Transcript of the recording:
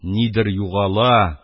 Нидер югала